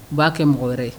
U b'a kɛ mɔgɔ wɛrɛ ye